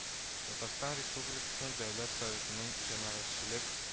Татарстан Республикасының Дәүләт Советының җәмәгатьчелек